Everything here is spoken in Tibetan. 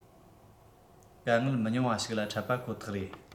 དཀའ ངལ མི ཉུང བ ཞིག ལ འཕྲད པ ཁོ ཐག རེད